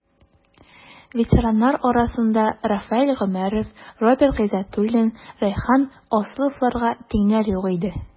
Ветераннар арасында Рафаэль Гомәров, Роберт Гыйздәтуллин, Рәйхан Асыловларга тиңнәр юк иде.